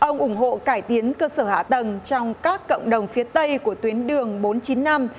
ông ủng hộ cải tiến cơ sở hạ tầng trong các cộng đồng phía tây của tuyến đường bốn chín năm